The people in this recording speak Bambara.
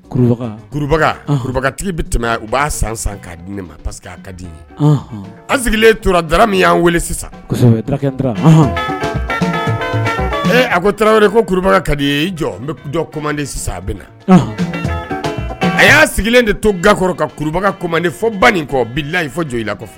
Tɛmɛ u b'a san di ma pa que ka di an sigilen torara min y' weele ee a ko tarawele ko ka ye jɔ bɛ komanden sisan a bɛ na a y'a sigilen de to gakoro ka kuru koman fɔ ba kɔ la fɔ jɔn